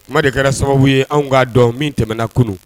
Kuma de kɛra sababu ye anw k'a dɔn min tɛmɛna kunun